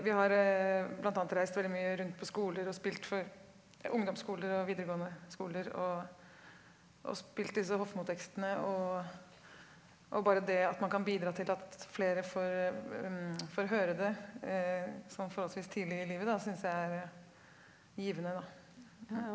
vi har bl.a. reist veldig mye rundt på skoler og spilt for ungdomsskoler og videregående skoler og og spilt disse Hofmo-tekstene og og bare det at man kan bidra til at flere får får høre det som forholdsvis tidlig i livet da synes jeg er givende da.